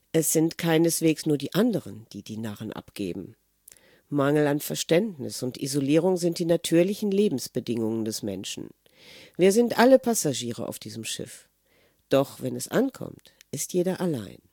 Es sind keineswegs nur die anderen, die die Narren abgeben! Mangel an Verständnis und Isolierung sind die natürlichen Lebensbedingungen des Menschen. Wir sind alle Passagiere auf diesem Schiff, doch wenn es ankommt, ist jeder allein